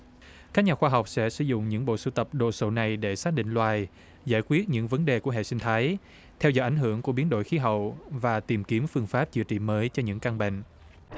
các nhà khoa học sẽ sử dụng những bộ sưu tập đồ sộ này để xác định loài giải quyết những vấn đề của hệ sinh thái theo do ảnh hưởng của biến đổi khí hậu và tìm kiếm phương pháp chữa trị mới cho những căn bệnh